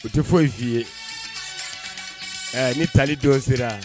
U tɛ fosi f'i ye, ɛ ni tali don sera